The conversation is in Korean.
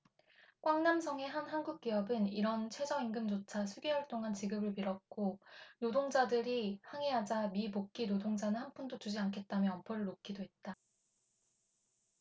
꽝남성의 한 한국기업은 이런 최저임금조차 수개월 동안 지급을 미뤘고 노동자들이 항의하자 미복귀 노동자는 한 푼도 주지 않겠다며 엄포를 놓기도 했다